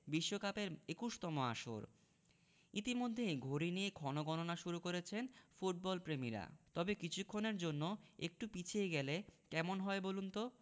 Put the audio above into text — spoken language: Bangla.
বিশ্বকাপের ২১তম আসর ইতিমধ্যেই ঘড়ি নিয়ে ক্ষণগণনা শুরু করেছেন ফুটবলপ্রেমীরা তবে কিছুক্ষণের জন্য একটু পিছিয়ে গেলে কেমন হয় বলুন তো